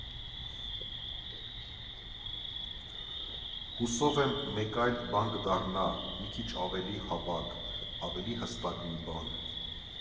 Հուսով եմ՝ մեկ այլ բան կդառնա, մի քիչ ավելի հավաք, ավելի հստակ մի բան։